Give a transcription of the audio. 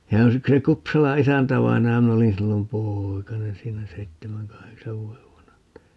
ja yksi Kupsalan isäntävainaja minä olin silloin poikanen siinä seitsemän kahdeksan vuoden vanha että